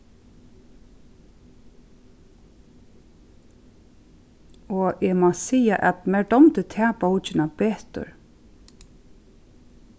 og eg má siga at mær dámdi ta bókina betur